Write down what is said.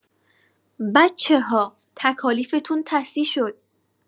بچه‌ها تکالیفتون تصحیح شد.